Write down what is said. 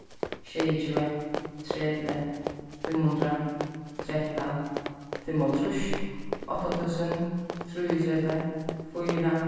sjeyogtjúgu tretivu fimm hundrað trettan fimmoghálvtrýss átta túsund trýogtretivu fýra